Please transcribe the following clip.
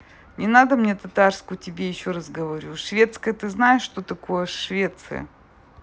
не надо мне татарскую тебе еще раз говорю шведская ты знаешь что такое швеция